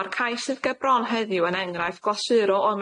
Ma'r cais sydd ger bron heddiw yn enghraifft glasurol o